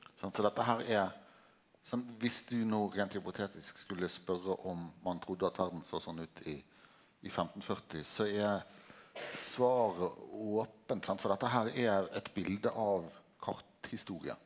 sant så dette her er sant viss du nå rent hypotetisk skulle spørje om ein trudde at verda så sånn ut i i 1540 så er svaret opent sant, for dette her er eit bilde av karthistorie.